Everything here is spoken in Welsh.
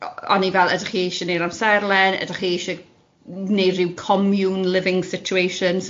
O- o'n i fel ydach chi eisiau 'neud amserlen, ydach chi eisiau 'neud ryw commune living situation,